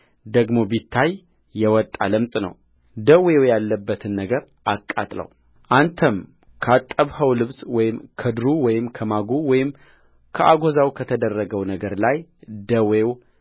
ደግሞ ቢታይ የወጣ ለምጽ ነው ደዌው ያለበትን ነገር አቃጥለውአንተም ካጠብኸው ልብስ ወይም ከድሩ ወይም ከማጉ ወይም ከአጐዛው ከተደረገው ነገር ላይ ደዌው